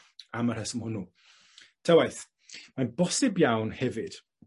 am y rheswm hwnnw. Ta waeth. Mae'n bosib iawn hefyd